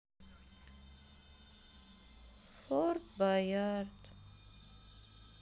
форт боярд